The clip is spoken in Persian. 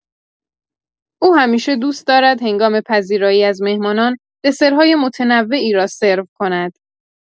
او همیشه دوست دارد هنگام پذیرایی از مهمانان، دسرهای متنوعی را سرو کند.